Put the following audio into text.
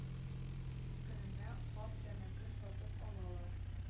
Көненә - кап тәмәке сатып алалар